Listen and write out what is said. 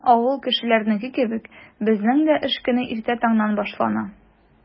Бөтен авыл кешеләренеке кебек, безнең дә эш көне иртә таңнан башлана.